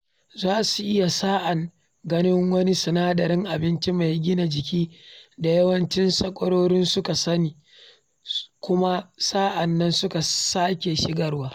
Za su iya sa’an nan ‘ganin’ wani sinadarin abinci mai gina jiki da yawancin sankarori suka sani kuma sa’an nan su sake shigarwa